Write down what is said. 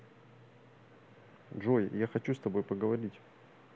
джой я хочу с тобой поговорить